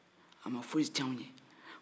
a ma foyi tiɲɛ anw ye